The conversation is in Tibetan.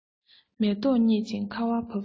མེ ཏོག རྙིད ཅིང ཁ བ བབས སོང